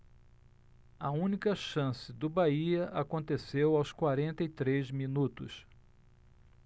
a única chance do bahia aconteceu aos quarenta e três minutos